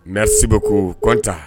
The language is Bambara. Nrisi ko kɔntan